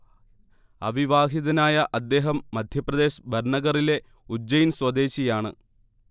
അവിവാഹിതനായ അദ്ദേഹം മധ്യപ്രദേശ് ബർണഗറിലെ ഉജ്ജയിൻ സ്വദേശിയാണ്